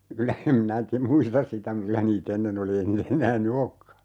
kyllä en minä - muista sitä - kyllä niitä ennen oli ei ne enää nyt olekaan